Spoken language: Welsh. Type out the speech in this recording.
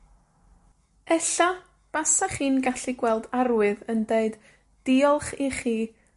Ella, basach chi'n gallu gweld arwydd yn deud diolch i chi